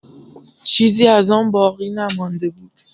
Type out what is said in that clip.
چیزی از آن باقی نمانده بود.